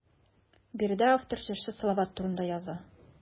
Биредә автор җырчы Салават турында яза.